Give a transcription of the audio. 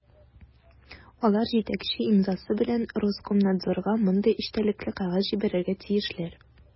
Алар җитәкче имзасы белән Роскомнадзорга мондый эчтәлекле кәгазь җибәрергә тиешләр: